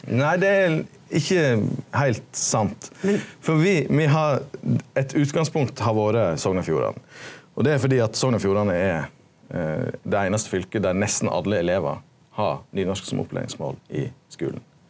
nei det er ikkje heilt sant for me me har eit utgangspunkt har vore Sogn og Fjordane og det er fordi at Sogn og Fjordane er det einaste fylket der nesten alle elevar har nynorsk som opplæringsmål i skulen.